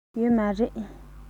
ཡོད མ རེད